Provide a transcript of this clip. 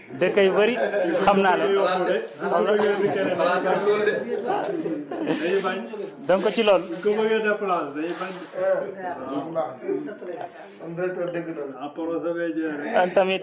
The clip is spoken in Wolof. dëkk yu bëri xam na leen donc ci loolu